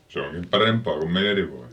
se onkin parempaa kuin meijerivoi